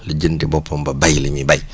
lijjanti boppam ba béy li miy béy